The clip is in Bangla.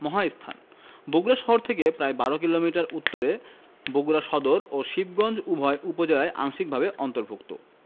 মহাস্থান বগুড়া শহর থেকে প্রায় ১২ কিলোমিটার উত্তরে বগুড়া সদর ও শিবগঞ্জ উভয় উপজেলায় আংশিকভাবে অন্তর্ভুক্ত